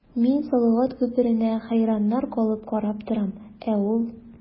Мин салават күперенә хәйраннар калып карап торам, ә ул...